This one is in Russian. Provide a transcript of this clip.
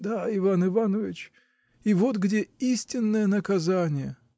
— Да, Иван Иванович, — и вот где истинное наказание!